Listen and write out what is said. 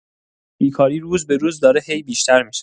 بیکاری روز به‌روز داره هی بیشتر می‌شه!